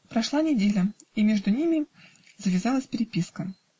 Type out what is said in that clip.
Прошла неделя, и между ними завелась переписка.